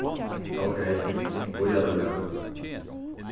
ókey bíða líka